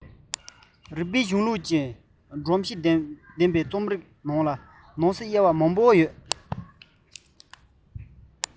རིག པའི གཞུང ལུགས ཀྱི སྒྲོམ གཞི ལྡན པའི རྩོམ རིག ལ ནང གསེས ཀྱི དབྱེ བ ནི རྟ མོག གི སྤུ ལྟར མང ལ